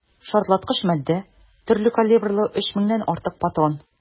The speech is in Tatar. Шартлаткыч матдә, төрле калибрлы 3 меңнән артык патрон.